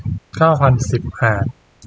เก้าพันสิบหาร